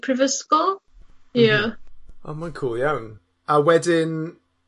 prifysgol. Ie. O ma'n cŵl iawn. A wedyn